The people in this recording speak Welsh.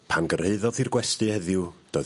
Pan gyrhaeddodd i'r gwesty heddiw do'dd...